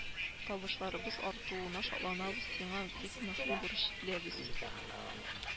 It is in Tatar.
Табышларыбыз артуына шатланабез сиңа бик мөһим бурыч йөкләбыз